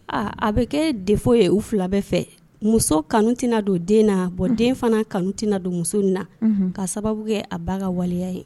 Aaa a bɛ kɛ defɔ ye u fila bɛɛ fɛ muso kanu tɛnaina don den na bɔ den fana kanu tɛnaina don muso in na ka sababu kɛ a ba ka waleya ye